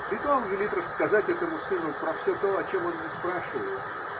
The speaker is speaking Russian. Ритуал велит рассказать этому сыну про все то. о чем он не спрашивает.